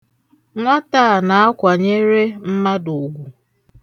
Nwata a na-akwanyere mmadụ ugwu.